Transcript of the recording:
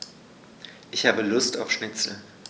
Ich habe Lust auf Schnitzel.